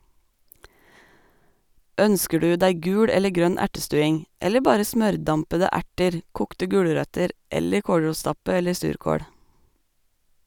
Ønsker du deg gul eller grønn ertestuing - eller bare smørdampede erter, kokte gulrøtter eller kålrotstappe eller surkål?